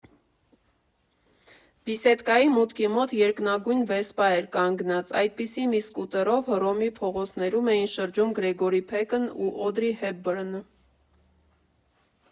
«Բիսեդկայի» մուտքի մոտ երկնագույն «Վեսպա» էր կանգնած՝ այդպիսի մի սկուտերով Հռոմի փողոցներում էին շրջում Գրեգորի Փեքն ու Օդրի Հեփբըրնը։